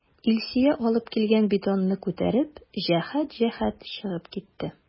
Илсөя алып килгән бидонны күтәреп, җәһәт-җәһәт чыгып китте.